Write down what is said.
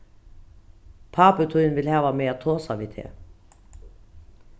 pápi tín vil hava meg at tosa við teg